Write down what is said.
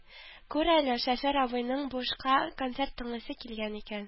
Күр әле, шофер абыйның бушка концерт тыңлыйсы килгән икән